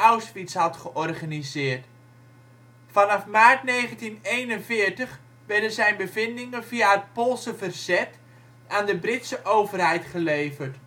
Auschwitz had georganiseerd. Vanaf maart 1941 werden zijn bevindingen via het Poolse verzet aan de Britse overheid geleverd